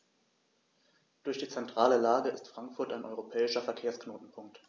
Durch die zentrale Lage ist Frankfurt ein europäischer Verkehrsknotenpunkt.